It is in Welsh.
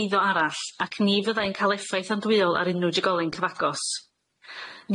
eiddo arall ac ni fyddai'n ca'l effaith andwyol ar unrhyw jigolen cyfagos.